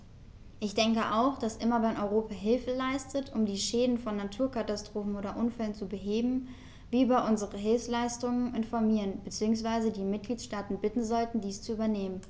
Ich denke auch, dass immer wenn Europa Hilfe leistet, um die Schäden von Naturkatastrophen oder Unfällen zu beheben, wir über unsere Hilfsleistungen informieren bzw. die Mitgliedstaaten bitten sollten, dies zu übernehmen.